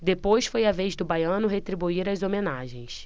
depois foi a vez do baiano retribuir as homenagens